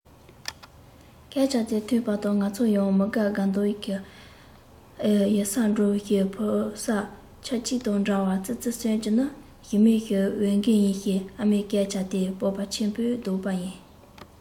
སྐད ཆ དེ ཐོས པ དང ང ཚོ ཡང མི དགའ དགའ མདོག གིས གཡུལ སར འགྲོ བའི ཕོ གསར ཁྱུ གཅིག དང འདྲ བར ཙི ཙི གསོད རྒྱུ ནི ཞི མིའི འོས འགན ཡིན ཞེས ཨ མའི སྐད ཆ དེ སྤོབས པ ཆེན པོས བཟླས པ ཡིན